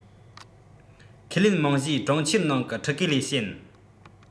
ཁས ལེན རྨང གཞིའི གྲོང ཁྱེར ནང གི ཕྲུ གུ ལས ཞན